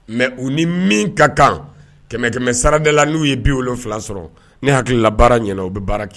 Mɛ u ni min ka kan kɛmɛ kɛmɛ saradala n'u ye bi wolofila sɔrɔ ni hakilila baara ɲɛna u bɛ baara kɛ